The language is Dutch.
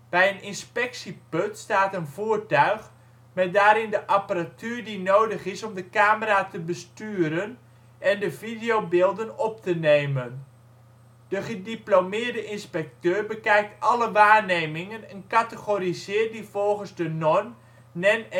Bij een inspectieput staat een voertuig met daarin de apparatuur die nodig is om de camera te besturen en de videobeelden op te nemen. De (gediplomeerde) inspecteur bekijkt alle waarnemingen en categoriseert die volgens de norm NEN-EN13508-2